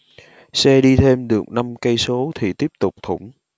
xe đi thêm được năm cây số thì tiếp tục thủng